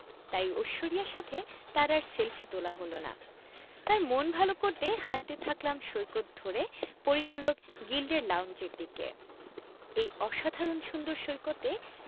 তাই ঐশ্বরিয়ার সাথে তার আর সেলফি তোলা হলো না তার মন ভালো করতে হাঁটতে থাকলাম সৈকত ধরে পরিচালক গিল্ডের লাউঞ্জের দিকে এই অসাধারণ সুন্দর সৈকতে